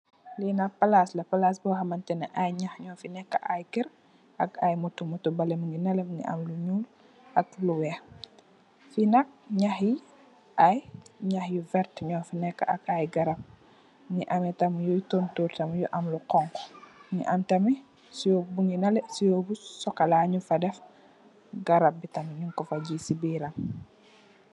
Lii nak plass la, plass bor hamanteh neh aiiy njahh njur fii neka, aiiy kerr, ak aiiy motor motor mbaleh, mungy nehleh mungy am lu njull ak lu wekh, fii nak njaahii aiiy njahh yu vertue mofi neka ak aiiy garab, mungy ameh tamit yui tohntorre tam yu am lu khonku, mu am tamit siyoh mungy nehleh, siyoh bu chocolat, njung fa deff garab bii tamit, njung kor fa giihh cii biram.